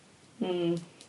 Hmm.